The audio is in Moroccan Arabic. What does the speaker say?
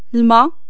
لما